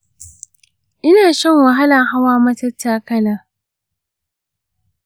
ina shan wahalan hawa matattakala